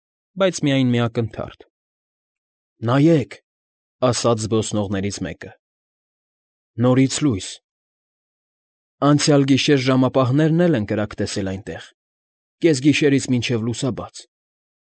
Բայց միայն մի ակնթարթ։ ֊ Նայեք,֊ ասաց զբոսնողներից մեկը։֊ Նորից լույս… Այնցյալ գիշեր ժամապահներն էլ են կրակ տեսել այնտեղ՝ կեսգիշերից մինչև լուսաբաց.